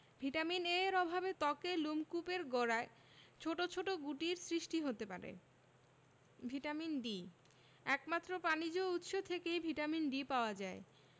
vitamin A এর অভাবে ত্বকের লোমকূপের গোড়ায় ছোট ছোট গুটির সৃষ্টি হতে পারে ভিটামিন D একমাত্র প্রাণিজ উৎস থেকেই ভিটামিন D পাওয়া যায়